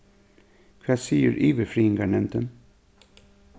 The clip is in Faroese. hvat sigur yvirfriðingarnevndin